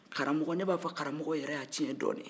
ne b'a fɔ karamɔgɔw yɛrɛ y'a tiɲɛ dɔɔni